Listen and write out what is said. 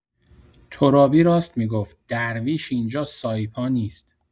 ترابی راست می‌گفت درویش اینجا سایپا نیست!